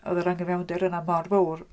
Oedd yr anghyfiawnder yna mor fawr...